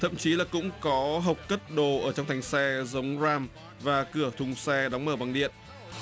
thậm chí là cũng có hộp cất đồ ở trong thành xe giống ram và cửa thùng xe đóng mở bằng điện